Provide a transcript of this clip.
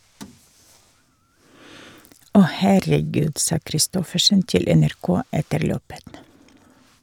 Åh herregud, sa Kristoffersen til NRK etter løpet.